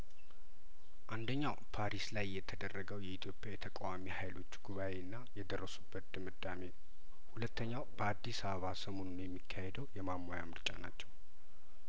አንደኛው ፓሪስ ላይ የተደረገው የኢትዮጵያ የተቃዋሚ ሀይሎች ጉባኤና የደረሱበት ድምዳሜ ሁለተኛው በአዲስ አበባ ሰሞኑን የሚካሄደው የማሟያ ምርጫ ናቸው